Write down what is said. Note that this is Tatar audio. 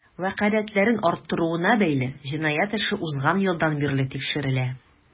Вәкаләтләрен арттыруына бәйле җинаять эше узган елдан бирле тикшерелә.